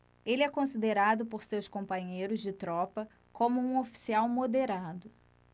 ele é considerado por seus companheiros de tropa como um oficial moderado